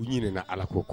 U ɲinin ala ko